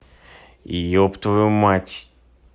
еб твою мать